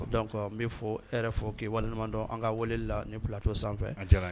Donc n b'i fɔ e yɛrɛ fɔ k'i waleɲuman dɔn an ka weleli la ni plateau sanfɛ, a diyara n ye.